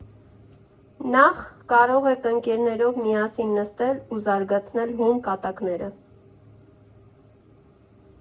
Նախ, կարող եք ընկերներով միասին նստել ու զարգացնել հում կատակները։